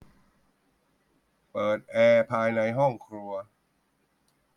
เปิดแอร์ภายในห้องครัว